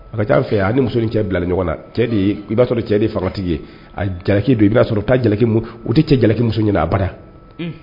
A fɛ a muso in cɛ bila ɲɔgɔn cɛ de i'a sɔrɔ cɛ de fatigi ye a jalaki don i b'a sɔrɔki u tɛ cɛ jalakimuso ɲini a bara